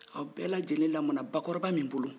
aw bɛɛ lajɛlen lamɔna bakɔrɔba min bolo